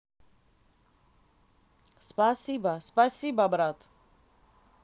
спасибо спасибо брат